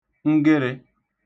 gịrị̄